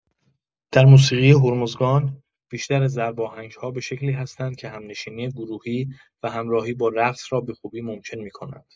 در موسیقی هرمزگان بیشتر ضرب‌آهنگ‌ها به شکلی هستند که هم‌نشینی گروهی و همراهی با رقص را به‌خوبی ممکن می‌کنند.